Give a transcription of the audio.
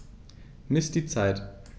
Miss die Zeit.